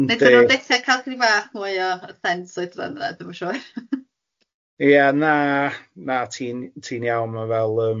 Yndi. Wnaethon nhw decha cael cynnig bach mwy o sense oedran na dwi'm yn siŵr... ia na na ti'n ti'n iawn ma'n fel yym,